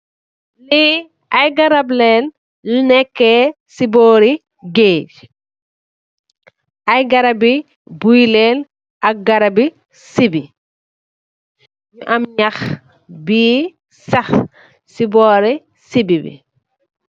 Li ay garap lèèn yu nekeh ci bóri gaaj, ay garap bi buy lèèn ak garap bi sibih am ñax bi sax ci bóri sibih bi.